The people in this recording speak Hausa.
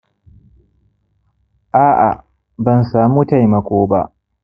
a'a, ban samu taimako ba.